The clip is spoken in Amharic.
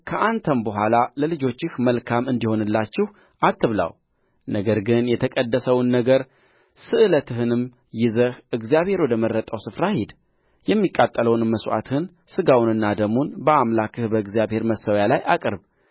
ከአንተም በኋላ ለልጆችህ መልካም እንዲሆንላችሁ አትብላው ነገር ግን የተቀደሰውን ነገርህን ስእለትህንም ይዘህ እግዚአብሔር ወደ መረጠው ስፍራ ሂድ የሚቃጠለውንም መሥዋዕትህን ሥጋውንና ደሙን በአምላክህ በእግዚአብሔር መሠዊያ ላይ አቅርብ